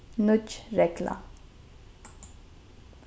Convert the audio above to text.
nýggj regla